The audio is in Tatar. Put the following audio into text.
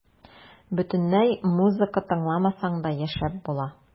Бөтенләй музыка тыңламасаң да яшәп була.